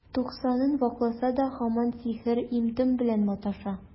Туксанын вакласа да, һаман сихер, им-том белән маташа.